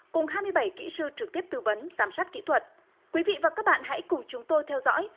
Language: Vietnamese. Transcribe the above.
cùng hai mươi bảy kỹ sư trực tiếp tư vấn giám sát kỹ thuật quý vị và các bạn hãy cùng chúng tôi theo dõi